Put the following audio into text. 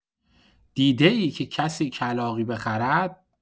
دیده‌ای که کسی کلاغی بخرد؟!